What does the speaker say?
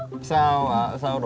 sau a sau